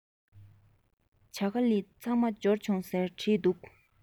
ཇ ག ལི ཚང མ འབྱོར བྱུང